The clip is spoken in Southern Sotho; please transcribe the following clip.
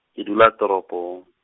ke dula toropong.